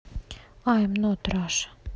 i'm not russia